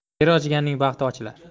yer ochganning baxti ochilar